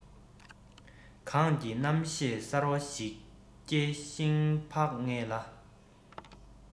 གངས ཀྱི རྣམ ཤེས གསར བ ཞིག སྐྱེ ཞིང འཕགས ངེས ལ